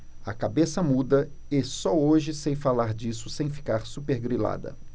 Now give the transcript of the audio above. a cabeça muda e só hoje sei falar disso sem ficar supergrilada